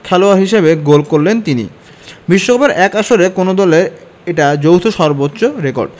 খেলোয়াড় হিসেবে গোল করলেন তিনি বিশ্বকাপের এক আসরে কোনো দলের এটা যৌথ সর্বোচ্চ রেকর্ড